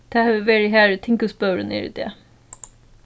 tað hevur verið har ið tinghúsbøurin er í dag